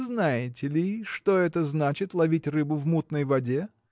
– Знаете ли, что это значит ловить рыбу в мутной воде?